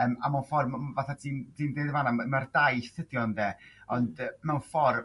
yym a mewn ffor' fatha ti'n ti'n ddeud yn fana ma'r daith ydi o de? Ond mewn ffor'